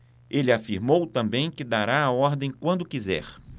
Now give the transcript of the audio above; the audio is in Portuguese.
ele afirmou também que dará a ordem quando quiser